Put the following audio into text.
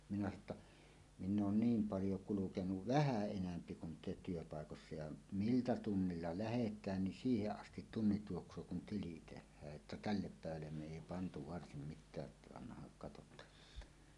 minä sanoin että minä olen niin paljon kulkenut vähän enempi kuin te työpaikoissa ja miltä tunnilla lähdetään niin siihen asti tunnit juoksee kun tili tehdään että tälle päivälle me ei pantu varsin mitään että annahan katsotaan